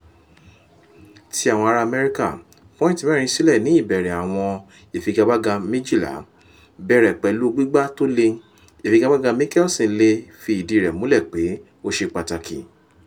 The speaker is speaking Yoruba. Tí àwọn ará Amẹ́ríkà, pọ́ìntì mẹ́rin sílẹ̀ ní ìbẹ̀rẹ̀ àwọn ìfigagbága 12, bẹ̀rẹ̀ pẹ̀lú gbígbà tó lé, ìfigagbaga Mickelson le fi ìdí rẹ̀ múlẹ̀ pé ó ṣe pàtàkì.